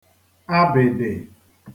abị̀dị̀